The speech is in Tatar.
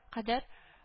Кадәр